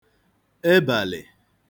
ebàlị̀